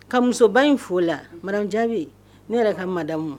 Ka musoba in fo la mara jaabibi ne yɛrɛ ka madamu